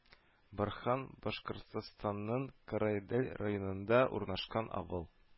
Борһан Башкортстанның Караидел районында урнашкан авыл